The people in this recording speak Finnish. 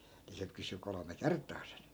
niin se kysyi kolme kertaa sen